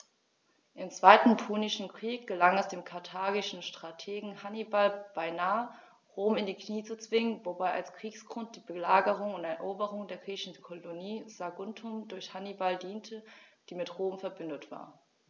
Im Zweiten Punischen Krieg gelang es dem karthagischen Strategen Hannibal beinahe, Rom in die Knie zu zwingen, wobei als Kriegsgrund die Belagerung und Eroberung der griechischen Kolonie Saguntum durch Hannibal diente, die mit Rom „verbündet“ war.